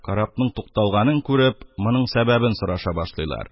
Карабның тукталганын күреп, моның сәбәбен сораша башлыйлар;